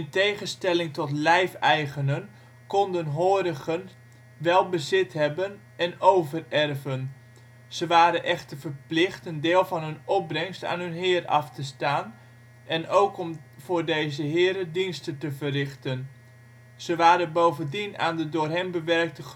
tegenstelling tot lijfeigenen konden zij wel bezit hebben en overerven; ze waren echter verplicht een deel van hun opbrengst aan hun heer af te staan, en ook om voor deze heren diensten te verrichten. Ze waren bovendien aan de door hen bewerkte